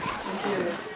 muy séeréer